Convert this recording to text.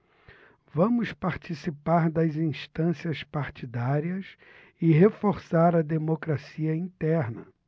vamos participar das instâncias partidárias e reforçar a democracia interna